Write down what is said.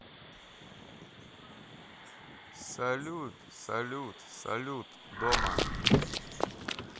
салют салют салют дома